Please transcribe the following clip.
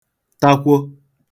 takwo